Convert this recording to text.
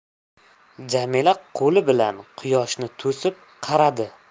jamila qoli bilan quyoshni to'sib qaradi